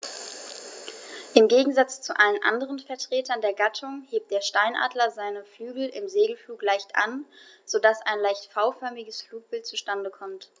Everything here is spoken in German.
Im Gegensatz zu allen anderen Vertretern der Gattung hebt der Steinadler seine Flügel im Segelflug leicht an, so dass ein leicht V-förmiges Flugbild zustande kommt.